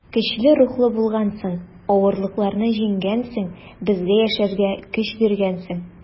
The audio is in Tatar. Көчле рухлы булгансың, авырлыкларны җиңгәнсең, безгә яшәргә көч биргәнсең.